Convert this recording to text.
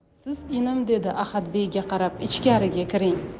siz inim dedi ahadbeyga qarab ichkariga kiring